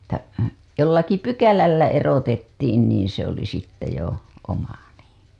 että jollakin pykälällä erotettiin niin se oli sitten jo oma niin